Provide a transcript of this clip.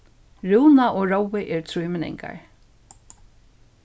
rúna og rói eru trímenningar